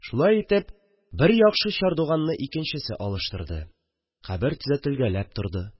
Шулай итеп бер яхшы чардуганны икенчесе алыштырды, кабер төзәтелгәләп торды